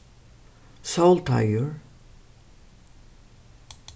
sólteigur